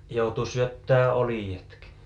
joutui syöttämään oljetkin